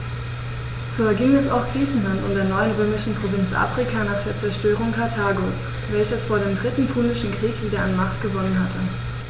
So erging es auch Griechenland und der neuen römischen Provinz Afrika nach der Zerstörung Karthagos, welches vor dem Dritten Punischen Krieg wieder an Macht gewonnen hatte.